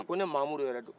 a ko ne mahamudu yɛrɛ don